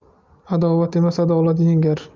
adovat emas adolat yengar